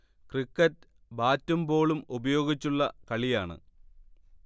cricket ബാറ്റും ബോളും ഉപയോഗിച്ചുള്ള കളിയാണ്